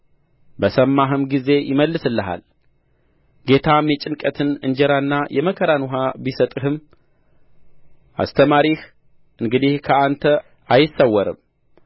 በሰማህም ጊዜ ይመልስልሃል ጌታም የጭንቀትን እንጀራና የመከራን ውኃ ቢሰጥህም አስተማሪህ እንግዲህ ከአንተ አይሰወርም